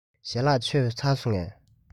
ཞལ ལག ཁ ལག མཆོད བཞེས ཚར སོང ངས